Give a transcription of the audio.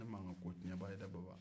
ne ma kan ka k'o cɛ baa ye dɛ baba